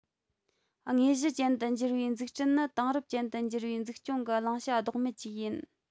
དངོས གཞི ཅན དུ འགྱུར བའི འཛུགས སྐྲུན ནི དེང རབས ཅན དུ འགྱུར བའི འཛུགས སྐྱོང གི བླང བྱ ལྡོག མེད ཅིག ཡིན